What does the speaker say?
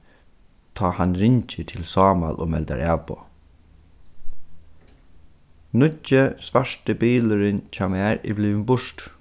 tá hann ringir til sámal og meldar avboð nýggi svarti bilurin hjá mær er blivin burtur